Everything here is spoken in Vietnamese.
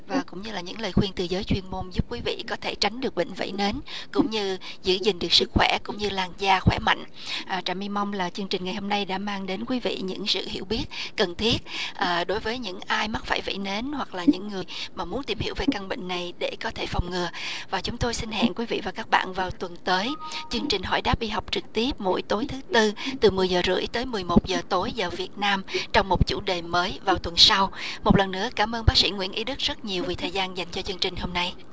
và cũng như là những lời khuyên từ giới chuyên môn giúp quý vị có thể tránh được bệnh vẩy nến cũng như giữ gìn được sức khỏe cũng như làn da khỏe mạnh ờ trà mi mong là chương trình ngày hôm nay đã mang đến quý vị những sự hiểu biết cần thiết à đối với những ai mắc phải vẩy nến hoặc là những người mà muốn tìm hiểu về căn bệnh này để có thể phòng ngừa và chúng tôi xin hẹn quý vị và các bạn vào tuần tới chương trình hỏi đáp y học trực tiếp mỗi tối thứ tư từ mười giờ rưỡi tới mười một giờ tối giờ việt nam trong một chủ đề mới vào tuần sau một lần nữa cảm ơn bác sĩ nguyễn ý đức rất nhiều vì thời gian dành cho chương trình hôm nay